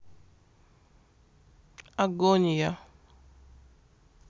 агония